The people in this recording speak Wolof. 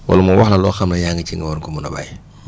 wala mu wax la loo xam ne yaa ngi ci nga war ko mun a bàyyi